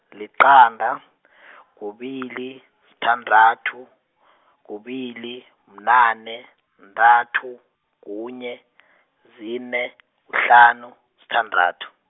liqanda , kubili, sithandathu , kubili, bunane, kuntathu, kunye, zine, kuhlanu, sithandathu.